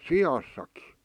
siassakin